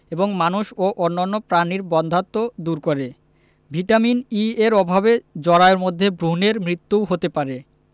এবং মানুষ এবং অন্যান্য প্রাণীর বন্ধ্যাত্ব দূর করে ভিটামিন ই এর অভাবে জরায়ুর মধ্যে ভ্রুনের মৃত্যুও হতে পারে